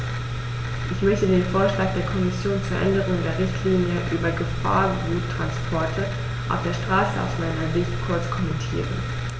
Ich möchte den Vorschlag der Kommission zur Änderung der Richtlinie über Gefahrguttransporte auf der Straße aus meiner Sicht kurz kommentieren.